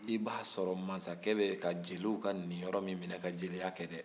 i b'a sɔrɔ mansakɛ bɛ ka jeliw ka ninyɔrɔ min minɛ dka jeliya kɛ dɛ